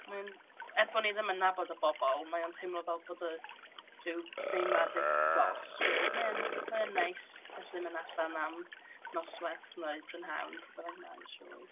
Mae o'n... Er bod ni ddim yn nabod y bobl, mae o'n teimlo fel bod y rhyw deimlad eitha clos. So mae o'n mae o'n neis gallu mynd allan am noswaith neu prynhawn, pryd bynnag mae'r sioe.